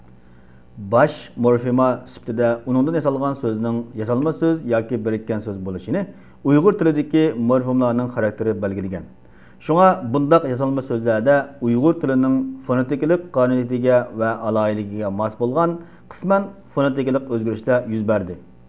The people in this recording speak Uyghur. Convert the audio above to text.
باش مورفېما سۈپىتىدە ئۇنىڭدىن ياسالغان سۆزنىڭ ياسالما سۆز ياكى بىرىككەن سۆز بولۇشىنى ئۇيغۇر تىلىدىكى مورفېملارنىڭ خاراكتېرى بەلگىلىگەن شۇڭا بۇنداق ياسالما سۆزلەردە ئۇيغۇر تىلىنىڭ فونېتىكىلىق قانۇنىيىتىگە ۋە ئالاھىدىلىكىگە ماس بولغان قىسمەن فونېتىكىلىق ئۆزگىرىشلەر يۈز بەردى